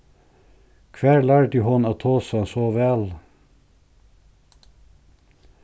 hvar lærdi hon at tosa so væl